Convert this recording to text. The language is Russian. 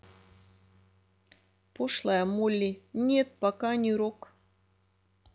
пошлая молли нет пока не рок